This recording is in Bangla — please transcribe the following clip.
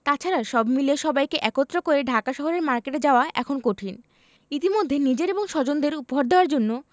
তা ছাড়া সময় মিলিয়ে সবাইকে একত্র করে ঢাকা শহরের মার্কেটে যাওয়া এখন কঠিন ইতিমধ্যে নিজের এবং স্বজনদের উপহার দেওয়ার জন্য